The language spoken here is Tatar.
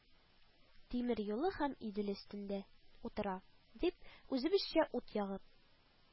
Тимер юлы һәм идел өстендә) утыра, дип, үзебезчә ут ягып